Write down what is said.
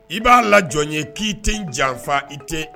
I b'a lajɔ ye k'i t janfa i tɛ